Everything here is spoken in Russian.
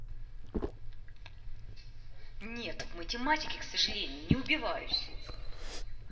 нет в математике к сожалению не убиваюсь